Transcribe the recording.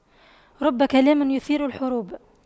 رب كلام يثير الحروب